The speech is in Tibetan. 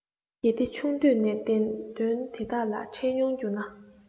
གལ ཏེ ཆུང དུས ནས བདེན དོན འདི དག ལ འཕྲད མྱོང རྒྱུ ན